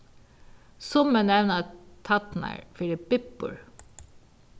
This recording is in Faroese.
summi nevna tærnar fyri bibbur